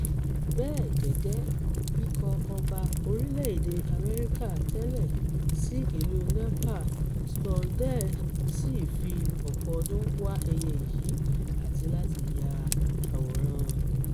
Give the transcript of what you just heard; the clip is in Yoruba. Bẹ́ẹ̀ gẹ́gẹ́, ikọ̀-ọba orílẹ̀-èdè America tẹ́lẹ̀ sí ìlú Nepal Scott DeLisi fi ọ̀pọ̀ ọdún wá ẹyẹ yìí àti láti ya àwòrán-an rẹ̀.